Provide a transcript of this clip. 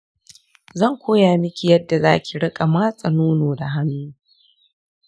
zan koya miki yadda zaki riƙa matse nono da hannu